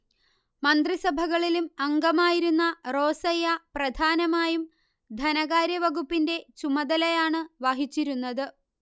മന്ത്രിസഭകളിലും അംഗമായിരുന്ന റോസയ്യ പ്രധാനമായും ധനകാര്യവകുപ്പിന്റെ ചുമതലയാണ് വഹിച്ചിരുന്നത്